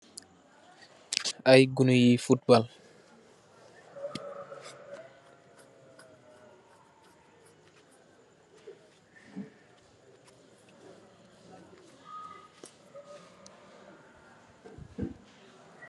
Ay goni yuy futbal.